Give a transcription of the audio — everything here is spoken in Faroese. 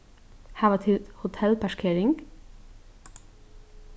hava tit hotellparkering